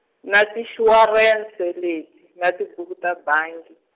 na tinxuwarense leti na tibuku ta bangi.